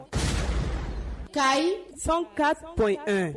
K ayi fɛn ka p an